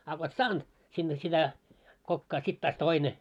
a kun et saanut sinne sitä kokkaan sitten taas toinen